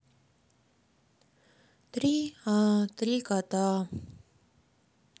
три аа три кота